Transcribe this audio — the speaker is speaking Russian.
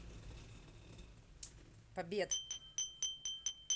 побед